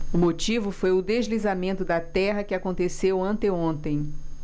o motivo foi o deslizamento de terra que aconteceu anteontem